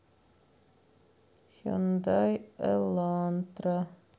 хендай элантра